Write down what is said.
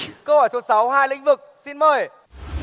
câu hỏi số sáu hai lĩnh vực xin mời